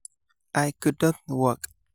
I could not walk.